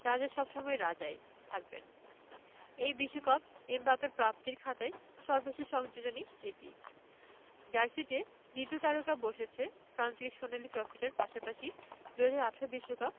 রাজা সব সময় রাজাই থাকবেন এই বিশ্বকাপ এমবাপ্পের প্রাপ্তির খাতায় সর্বশেষ সংযোজনই এটি জার্সিতে দ্বিতীয় তারকা বসেছে ফ্রান্সকে সোনালি ট্রফিটার পাশাপাশি ২০১৮ বিশ্বকাপ